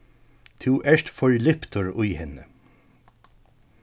tú ert forliptur í henni